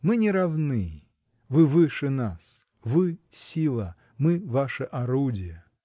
Мы не равны: вы выше нас, вы сила, мы ваше орудие.